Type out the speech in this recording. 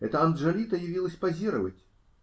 Это Анджолита явилась позировать.